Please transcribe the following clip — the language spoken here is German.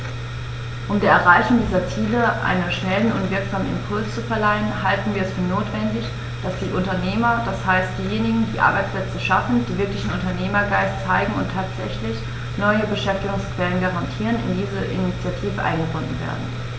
Um der Erreichung dieser Ziele einen schnellen und wirksamen Impuls zu verleihen, halten wir es für notwendig, dass die Unternehmer, das heißt diejenigen, die Arbeitsplätze schaffen, die wirklichen Unternehmergeist zeigen und tatsächlich neue Beschäftigungsquellen garantieren, in diese Initiative eingebunden werden.